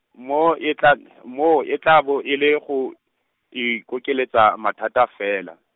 moo e tla , moo e tla bo e le go, ikokeletsa mathata fela.